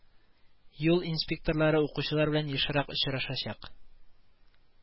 Юл инспекторлары укучылар белән ешрак очрашачак